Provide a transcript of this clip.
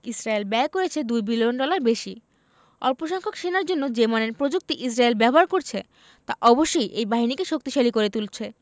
Israel ব্যয় করছে ২ billion dollar বেশি অল্পসংখ্যক সেনার জন্য যে মানের প্রযুক্তি ইসরায়েল ব্যবহার করছে তা অবশ্যই এই বাহিনীকে শক্তিশালী করে তুলছে